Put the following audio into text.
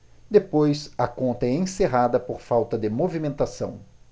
depois a conta é encerrada por falta de movimentação